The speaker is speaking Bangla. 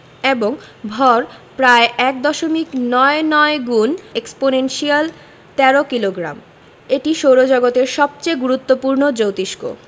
এবং ভর প্রায় এক দশমিক নয় নয় এক্সপনেনশিয়াল ১৩ কিলোগ্রাম এটি সৌরজগতের সবচেয়ে গুরুত্বপূর্ণ জোতিষ্ক